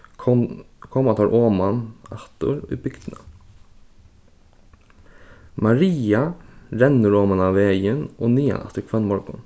koma teir oman aftur í bygdina maria rennur oman á vegin og niðan aftur hvønn morgun